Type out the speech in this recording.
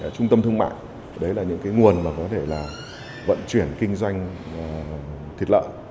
trung tâm thương mại đấy là những cái nguồn mà có thể là vận chuyển kinh doanh à thịt lợn